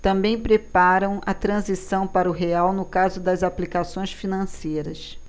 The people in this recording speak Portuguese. também preparam a transição para o real no caso das aplicações financeiras